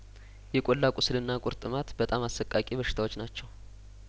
የቆላ ቁስልና ቁርጥ ማት በጣም አሰቃቂ በሽታዎች ናቸው